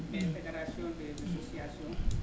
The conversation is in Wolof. une fédération d' associtaion